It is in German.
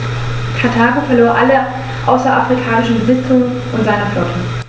Karthago verlor alle außerafrikanischen Besitzungen und seine Flotte.